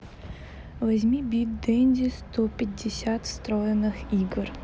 восьми бит денди сто пятьдесят встроенных игр